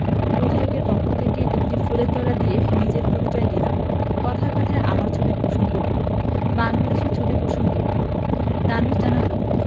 প্রযোজকের পক্ষ থেকে একটি ফুলের তোড়া দিয়ে নিজের পরিচয় দিলাম কথায় কথায় আমার ছবির প্রসঙ্গ উঠলো বাংলাদেশের ছবির প্রসঙ্গ উঠলো ধানুশ জানালো